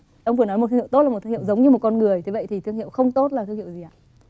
ông vừa nói một thương hiệu tốt là một thương hiệu giống như một con người thì vậy thì thương hiệu không tốt là thương hiệu gì ạ